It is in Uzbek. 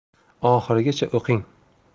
oxirigacha o'qing